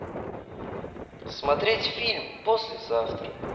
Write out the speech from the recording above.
смотреть фильм послезавтра